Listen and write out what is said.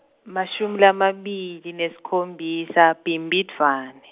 mashumi lamabili, nesikhombisa Bhimbidvwane.